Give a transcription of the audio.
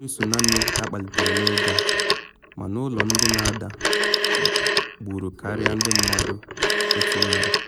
Enweghị tsunami akpalitere n’oge a, mana ụlọ ndị na ada gburu karịa ndị mmadụ 100.